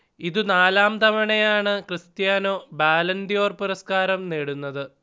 ഇത് നാലാം തവണയാണ് ക്രിസ്റ്റ്യാനോ ബാലൺദ്യോർ പുരസ്കാരം നേടുന്നത്